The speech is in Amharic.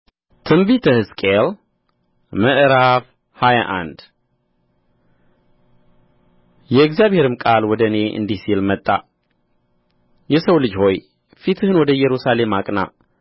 ትንቢተ ሕዝቅኤል ምዕራፍ ሃያ አንድ የእግዚአብሔርም ቃል ወደ እኔ እንዲህ ሲል መጣ የሰው ልጅ ሆይ ፊትህን ወደ ኢየሩሳሌም አቅና